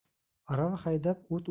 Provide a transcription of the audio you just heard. arava haydab o't